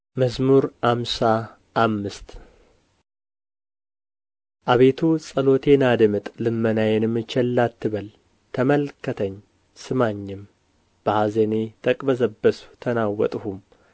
መዝሙር ሃምሳ አምስት አቤቱ ጸሎቴን አድምጥ ልመናዬንም ቸል አትበል ተመልከተኝ ስማኝም በኀዘኔ ተቅበዘበዝሁ ተናወጥሁም